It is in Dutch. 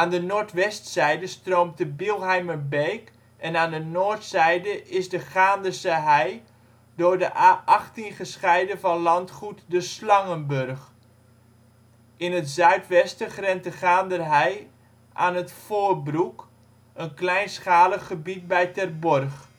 de noordwestzijde stroomt de Bielheimerbeek en aan de noordzijde is de Gaanderse hei door de A18 gescheiden van landgoed De Slangenburg. In het zuidwesten grenst de Gaanderhei aan het Voorbroek, een kleinschalig gebied bij Terborg